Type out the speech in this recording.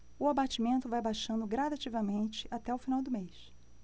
o abatimento vai baixando gradativamente até o final do mês